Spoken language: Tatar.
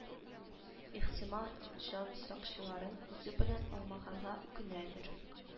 Ихтимал җансакчыларын үзе белән алмаганга үкенәдер